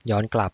ย้อนกลับ